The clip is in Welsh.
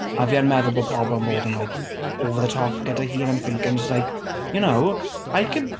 A fi yn meddwl bod pobl yn bod yn like over the top gyda hi. And I'm thinking, just like, you know I can...